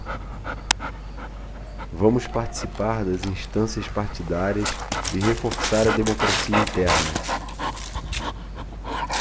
vamos participar das instâncias partidárias e reforçar a democracia interna